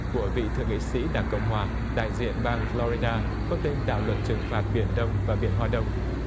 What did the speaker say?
của vị thượng nghị sĩ đảng cộng hòa đại diện bang phờ lo ri đa có tên đạo luật trừng phạt biển đông và biển hoa đông